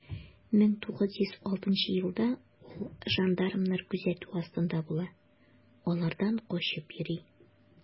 1906 елда ул жандармнар күзәтүе астында була, алардан качып йөри.